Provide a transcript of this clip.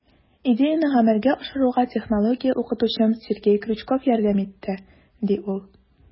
Идеяне гамәлгә ашыруга технология укытучым Сергей Крючков ярдәм итте, - ди ул.